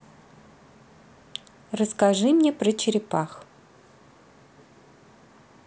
расскажи мне про черепах